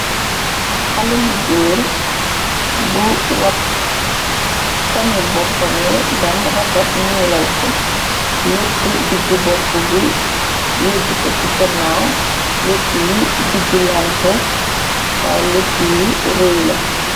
Xale bu góor bu wat koñi boppamyi bam rafet ñuulal ko lëtt diggu bopp bi yebb ko ci gannaw littu yi duggu lante waye litti yu rëy la.